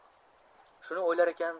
shuni o'ylarkanman